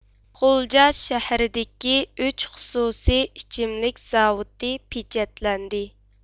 غۇلجا شەھىرىدىكى ئۈچ خۇسۇسىي ئىچىملىك زاۋۇتى پېچەتلەندى